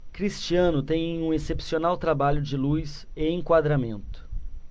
cristiano tem um excepcional trabalho de luz e enquadramento